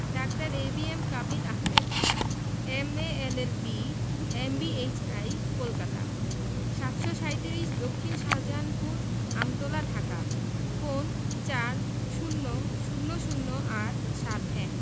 ডাঃ A B M Kabil Ahmed M A L L B M B H I Kolkata ৭৩৭ দক্ষিন Shahjahanpur Amtala Dhaka phone ৪০০০ ৮৭১